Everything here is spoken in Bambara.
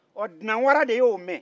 ɔ dunanwara de y'o mɛn